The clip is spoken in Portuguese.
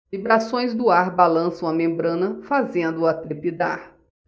vibrações do ar balançam a membrana fazendo-a trepidar